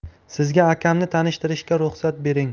sizga akamni tanishtirishga ruxsat bering